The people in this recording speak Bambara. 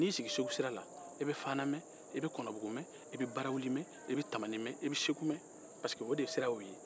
n'i y'i sigi segu sira la i bɛ fana mɛn ka kɔnɔbugu mɛn ke tamani mɛn ka baraweli mɛn i bɛ segu mɛn pariseke o de sira ye o ye